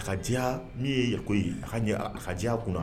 A ka diya n' yeko ye ka a ka diya kunna